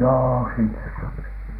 joo sinne sopi